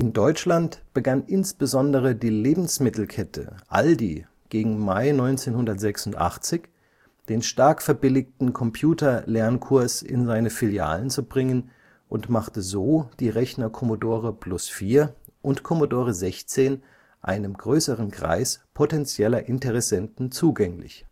Deutschland begann insbesondere die Lebensmittelkette Aldi gegen Mai 1986 den stark verbilligten Computer-Lernkurs in seine Filialen zu bringen und machte so die Rechner Commodore Plus/4 und Commodore 16 einem größeren Kreis potentieller Interessenten zugänglich